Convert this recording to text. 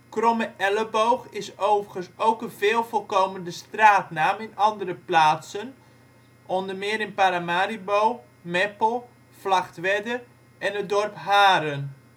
Kromme Elleboog is overigens ook een veelvoorkomende straatnaam in andere plaatsen, onder meer in Paramaribo, Meppel, Vlagtwedde en het dorp Haren